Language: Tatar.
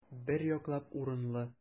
Бер яклап урынлы.